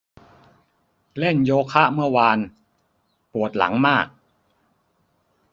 เล่นโยคะเมื่อวานปวดหลังมาก